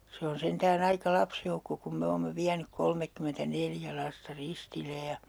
se on sentään aika lapsijoukko kun me olemme vienyt kolmekymmentäneljä lasta ristille ja